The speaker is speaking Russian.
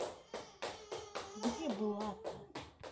где была то